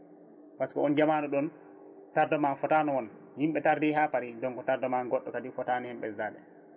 par ce que on jamanu ɗon tardement footani wonde yimɓe tardi ha paari donc tardement goɗɗo kadi footani hen ɓeydade